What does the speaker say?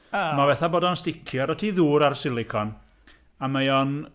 Mae o fatha bod o'n sticio, rhoddi ti ddŵr ar silicone, a mae o'n...